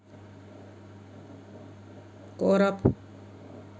короб